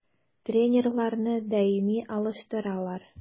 Тренерларны даими алыштыралар.